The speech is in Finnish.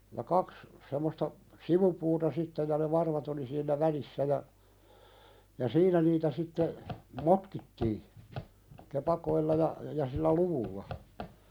ja kaksi semmoista sivupuuta sitten ja ne varvat oli siinä välissä ja ja siinä niitä sitten motkittiin kepakoilla ja ja sillä luvulla